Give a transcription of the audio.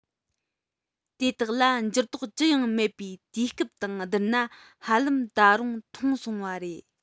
དེ དག ལ འགྱུར ལྡོག ཅི ཡང མེད པའི དུས སྐབས དང བསྡུར ན ཧ ལམ ད རུང ཐུང སོང བ རེད